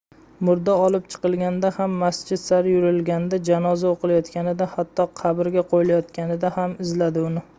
murda olib chiqilganda ham masjid sari yurilganda janoza o'qilayotganida hatto qabrga qo'yilayotganida ham izladi uni